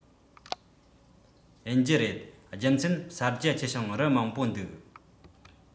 ཡིན རྒྱུ རེད རྒྱུ མཚན ས རྒྱ ཆེ ཞིང རི མང པོ འདུག